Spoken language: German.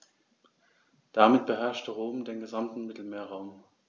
Damit beherrschte Rom den gesamten Mittelmeerraum.